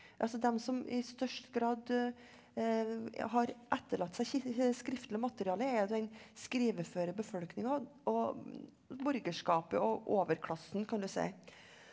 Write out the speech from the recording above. altså dem som i størst grad har etterlatt seg skriftlig materiale er at den skriveføre befolkninga og borgerskapet og overklassen kan du si.